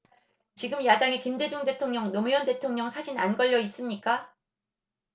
지금 야당에 김대중 대통령 노무현 대통령 사진 안 걸려 있습니까